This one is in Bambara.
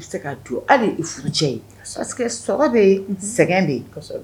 Bɛ sɛgɛn bɛ